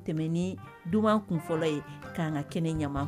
Tɛmɛ ni du tun fɔlɔ ye ka'an ka kɛnɛ ɲama